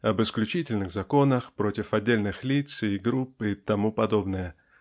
об "исключительных законах" против отдельных лиц и групп и т. п.